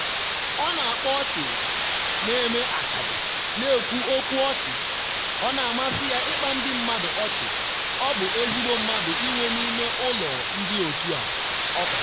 “Ọ na-akpa ọchị, na-eme akaja, na-ekwu okwu ọchị, ọ na-amasị ya ịkpa ndị mmadụ ọchị, ọ bụ ezigbo mmadụ inwe n’ime ụlọ ndị otu a,” ọ kọwara.